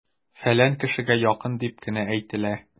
"фәлән кешегә якын" дип кенә әйтелә!